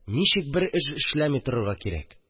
Ничек бер эш эшләми торырга кирәк